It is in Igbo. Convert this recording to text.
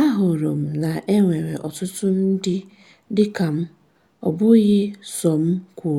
A hụrụ m na e nwere ọtụtụ ndị dịka m, ọ bụghị sọ m kwụ